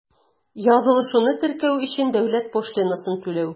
Язылышуны теркәү өчен дәүләт пошлинасын түләү.